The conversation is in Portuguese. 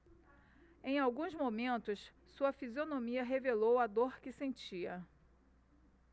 em alguns momentos sua fisionomia revelou a dor que sentia